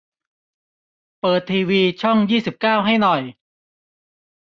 เปิดทีวีช่องยี่สิบเก้าให้หน่อย